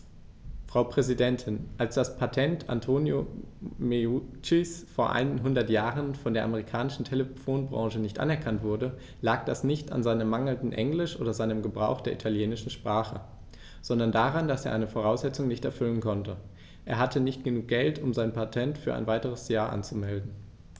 Frau Präsidentin, als das Patent Antonio Meuccis vor einhundert Jahren von der amerikanischen Telefonbranche nicht anerkannt wurde, lag das nicht an seinem mangelnden Englisch oder seinem Gebrauch der italienischen Sprache, sondern daran, dass er eine Voraussetzung nicht erfüllen konnte: Er hatte nicht genug Geld, um sein Patent für ein weiteres Jahr anzumelden.